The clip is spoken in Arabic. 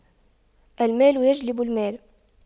المال يجلب المال